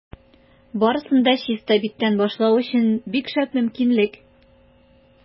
Барысын да чиста биттән башлау өчен бик шәп мөмкинлек.